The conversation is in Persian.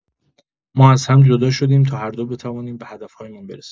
ما از هم جدا شدیم تا هر دو بتوانیم به هدف‌هایمان برسیم.